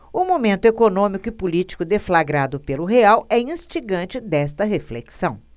o momento econômico e político deflagrado pelo real é instigante desta reflexão